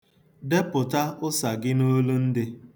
Depụta ụsa gị n'olundị.